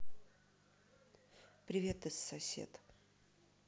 привет из сосед